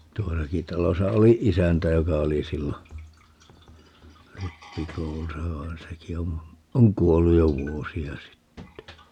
tuossakin talossa oli isäntä joka oli silloin rippikoulussa vaan sekin on on kuollut jo vuosia sitten